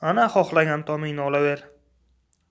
ana xohlagan tomingni olaver